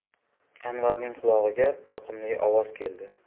anvarning qulog'iga yoqimli ovoz keldi